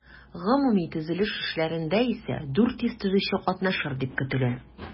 Гомуми төзелеш эшләрендә исә 400 төзүче катнашыр дип көтелә.